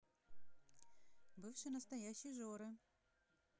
бывший настоящий жоры